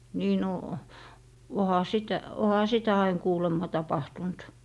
niin no onhan sitä onhan sitä aina kuulemma tapahtunut